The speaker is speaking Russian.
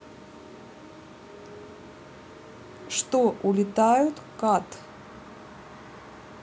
что улетают cut